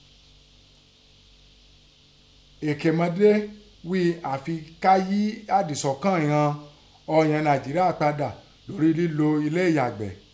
Èkémọdé ghíi àfi ká yí àdìsọ́kàn ìghọn ọ̀ǹyàn Nàìjérià padà lórí lílo elé ìyàgbẹ́.